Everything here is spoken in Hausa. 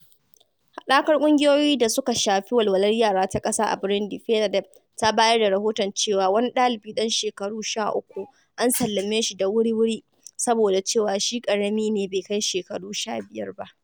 Haɗakar ƙungiyoyin da suka shafi walwalar yara ta ƙasa a Burundi (FENADEB) ta bayar da rahoton cewa wani ɗalibi ɗan shekaru 13, an sallame shi da wurwuri saboda cewa shi ƙarami ne bai kai shekaru 15 ba.